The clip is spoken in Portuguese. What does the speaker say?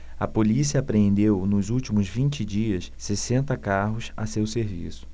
a polícia apreendeu nos últimos vinte dias sessenta carros a seu serviço